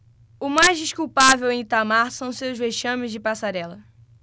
o mais desculpável em itamar são os seus vexames de passarela